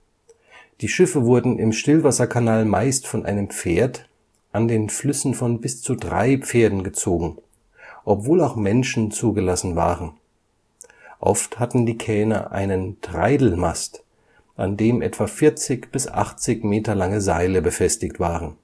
Die Schiffe wurden im Stillwasserkanal meist von einem Pferd, an den Flüssen von bis zu drei Pferden gezogen, obwohl auch Menschen zugelassen waren (Treideln). Oft hatten die Kähne einen Treidelmast, an dem etwa 40 bis 80 Meter lange Seile befestigt waren